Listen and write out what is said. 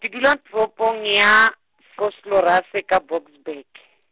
ke dula toropong ya, Vosloorus eka Boksburg.